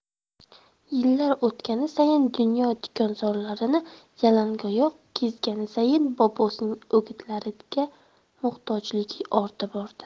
yillar o'tgani sayin dunyo tikonzorlarini yalangoyoq kezgani sayin bobosining o'gitlariga muhtojligi orta bordi